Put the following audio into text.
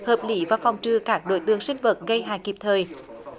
hợp lý và phòng trừ các đối tượng sinh vật gây hại kịp thời